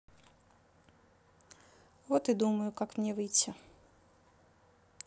вот и думаю как мне выйти